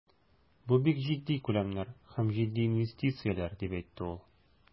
Бу бик җитди күләмнәр һәм җитди инвестицияләр, дип әйтте ул.